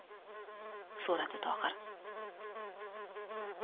so'radi tohir